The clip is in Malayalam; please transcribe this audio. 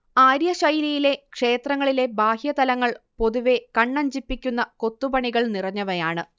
ആര്യശൈലിയിലെ ക്ഷേത്രങ്ങളിലെ ബാഹ്യതലങ്ങൾ പൊതുവെ കണ്ണഞ്ചിപ്പിക്കുന്ന കൊത്തുപണികൾ നിറഞ്ഞവയാണ്